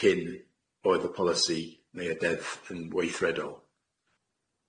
cyn oedd y polisi neu' y deddf yn weithredol.